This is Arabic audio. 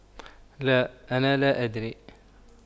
لا أنا لا أدري